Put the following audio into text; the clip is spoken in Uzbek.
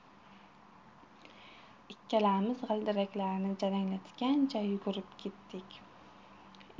ikkalamiz g'ildiraklarni jaranglatgancha yugurib ketdik